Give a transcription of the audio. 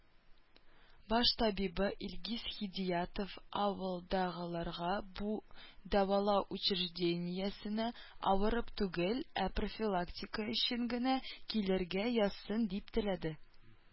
Баш табибы Илгиз Хидиятов авылдагыларга бу дәвалау учреждениесенә авырып түгел, ә профилактика өчен генә килергә язсын, дип теләде.